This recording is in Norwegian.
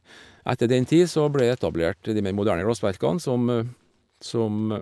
Etter den tid så ble det etablert de mer moderne glassverkene, som som...